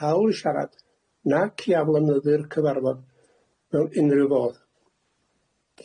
hawl i siarad, nac i aflonyddu'r cyfarfod mewn unrhyw fodd.